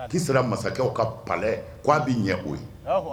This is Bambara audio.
Kisira masakɛw ka palais k'a bɛ ɲɛ o ye.